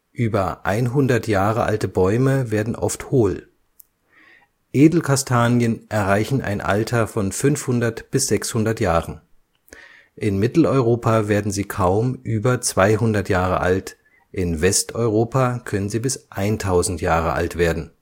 Über 100 Jahre alte Bäume werden oft hohl. Edelkastanien erreichen ein Alter von 500 bis 600 Jahren. In Mitteleuropa werden sie kaum über 200 Jahre alt, in Westeuropa können sie bis 1000 Jahre alt werden